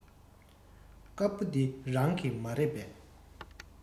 དཀར པོ འདི རང གི མ རེད པས